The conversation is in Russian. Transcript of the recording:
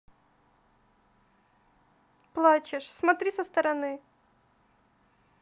плачешь смотри со стороны